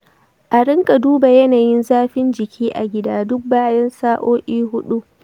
a rinka duba yanayin zafin jiki a gida duk bayan sa'o'i hudu.